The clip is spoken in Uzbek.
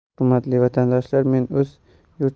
hurmatli vatandoshlar men o'z yurtimni